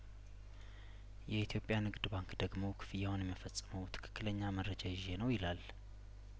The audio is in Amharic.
የኢትዮጵያ ንግድ ባንክ ደግሞ ክፍያውን የም ፈጽመው ትክክለኛ መረጃ ይዤ ነው ይላል